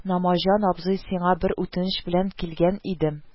– намаҗан абзый, сиңа бер үтенеч белән килгән идем